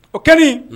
O kɛlen